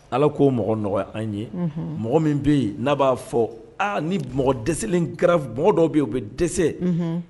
Ala k'o mɔgɔ nɔgɔya an ye mɔgɔ min bɛ yen n'a b'a fɔ aa ni mɔgɔ dɛsɛ kɛra mɔgɔ dɔw bɛ o bɛ dɛsɛ